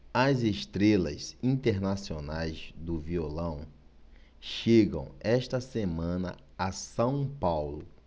as estrelas internacionais do violão chegam esta semana a são paulo